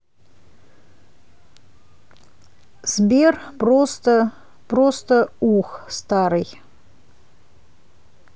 сбер просто просто ух старый